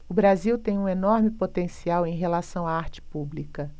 o brasil tem um enorme potencial em relação à arte pública